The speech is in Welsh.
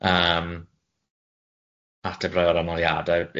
Yym, ateb rai o'r ymoliadau